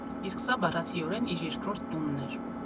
Իսկ սա բառացիորեն իր երկրորդ տունն էր։